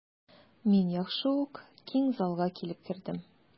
Мин яхшы ук киң залга килеп кердем.